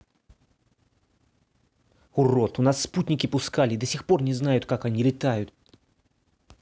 урод у нас спутники пускали и до сих пор не знают как они летают